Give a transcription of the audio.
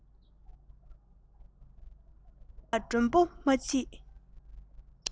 ཞོལ ལ མགྲོན པོ མ མཆིས